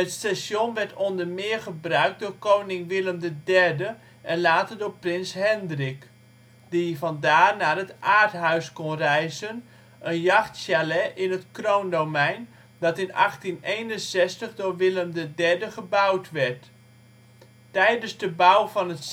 station werd onder meer gebruikt door koning Willem III en later door prins Hendrik, die vandaar naar het Aardhuis konden reizen, een jachtchalet in het Kroondomein dat in 1861 voor Willem III gebouwd werd. Tijdens de bouw van het